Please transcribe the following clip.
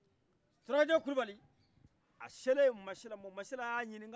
surakajɛkɛ kulubali a sele masila ma masila ya ɲiniga